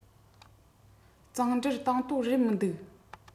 གཙང སྦྲར དང དོད རེད མི འདུག